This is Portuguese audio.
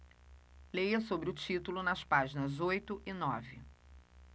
leia sobre o título nas páginas oito e nove